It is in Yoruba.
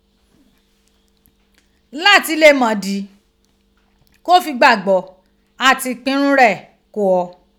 Láti lè mọ idí ko fi gbàgbọ́ àti ìpirun Rẹ̀ ko ọ.